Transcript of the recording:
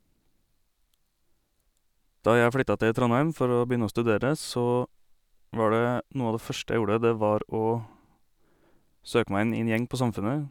Da jeg flytta til Trondheim for å begynne å studere så var det noe av det første jeg gjorde det var å søke meg inn i en gjeng på Samfundet.